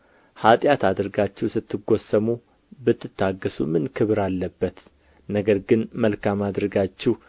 ኃጢአት አድርጋችሁ ስትጎሰሙ ብትታገሡ ምን ክብር አለበት ነገር ግን መልካም አድርጋችሁ